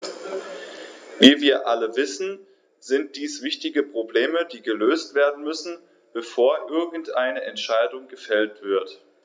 Wie wir alle wissen, sind dies wichtige Probleme, die gelöst werden müssen, bevor irgendeine Entscheidung gefällt wird.